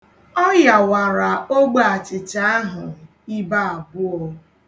Ọ yawara ogbe achịcha ahụ ibe abụọ.